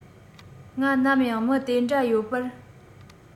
ང ནམ ཡང མི དེ འདྲ ཡོད པར